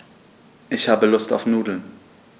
Ich habe Lust auf Nudeln.